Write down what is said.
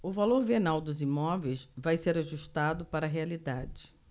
o valor venal dos imóveis vai ser ajustado para a realidade